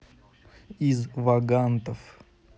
из вагантов